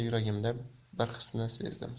yuragimda bir xisni sezdim